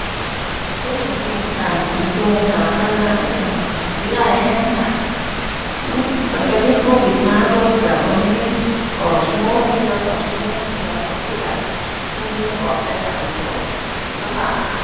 โอ้ เดี๋ยวนี้การขนส่งสาธารณะในจังหวัดนี้ขี้ร้ายแรงค่ะ มันตั้งแต่มีโควิดมารถแรงบ่มีออกชั่วโมงละเทื่อสองชั่วโมงเทื่อ บางทีแรงมื้อหนึ่งออกแค่สามเที่ยวลำบากค่ะ